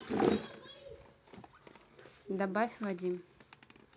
добавь вадим